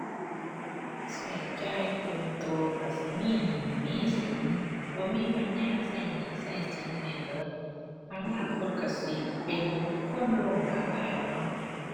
ใช้จ่ายเกินใช้ใช้สิมีหนี้มีสิน บ่มีปัญญาใช้หนี้ใช้สินให้เบิด อนาคตใช้สิเป็นบุคคลล้มละลายล่ะเนาะ